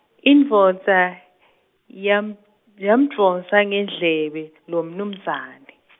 indvodza, yam- yamdvonsa ngendlebe, lomnumzane.